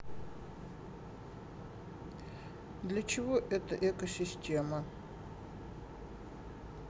для чего эта экосистема